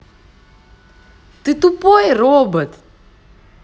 ты тупой робот